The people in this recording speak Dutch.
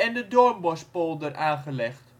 de Doornbospolder aangelegd